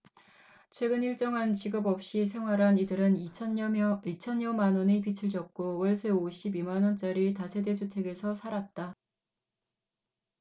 최근 일정한 직업 없이 생활한 이들은 이 천여만원의 빚을 졌고 월세 오십 이 만원짜리 다세대 주택에서 살았다